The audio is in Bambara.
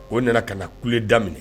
O nana ka na kule da